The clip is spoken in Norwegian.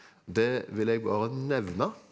det vil jeg bare nevne.